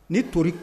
Ni tori